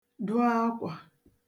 dụ akwà